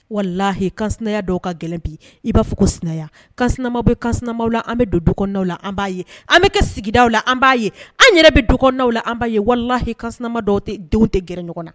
Walahi kaya dɔw ka gɛlɛn bi i b'a fɔ ko sinaya kasma bɛ kas la an bɛ don duw la an b'a ye an bɛ kɛ sigida aw la an b'a ye an yɛrɛ bɛ duw la an b'a ye walilahi kasma dɔw tɛ dɔw tɛ g ɲɔgɔn na